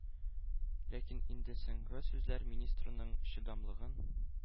Ләкин инде соңгы сүзләр министрның чыдамлыгын